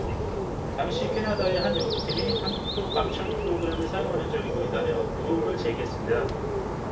당시 캐나다의 한 연구팀이 한국도 감청프로그램을 사용한 흔적이 보인다며 의혹을 제기했습니다